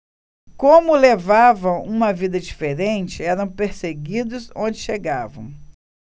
como levavam uma vida diferente eram perseguidos onde chegavam